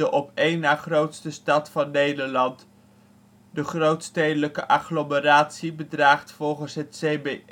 op een na grootste stad van Nederland. De grootstedelijke agglomeratie bedraagt volgens het CBS anno 2008